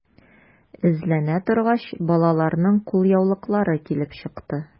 Эзләнә торгач, балаларның кулъяулыклары килеп чыкты.